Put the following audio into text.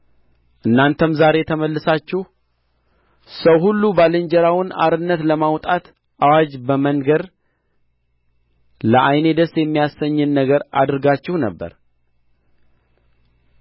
እናንተም ዛሬ ተመልሳችሁ ሰው ሁሉ ባልንጀራውን አርነት ለማውጣት አዋጅ በመንገር ለዓይኔ ደስ የሚያሰኝን ነገር አድርጋችሁ ነበር